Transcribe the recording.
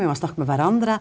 vi må snakke med hverandre.